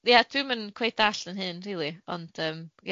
Wel yy ia, dwi'm yn cweit dallt 'yn hun, rili, ond yym